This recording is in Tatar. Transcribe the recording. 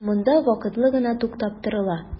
Монда вакытлы гына туктап торыла.